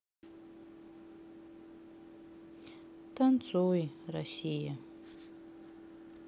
танцуй россия